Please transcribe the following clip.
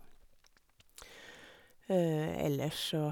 Ellers så...